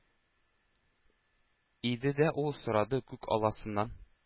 Иде дә ул сорады күк алласыннан: